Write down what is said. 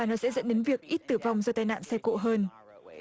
nữa sẽ dẫn đến việc ít tử vong do tai nạn xe cộ hơn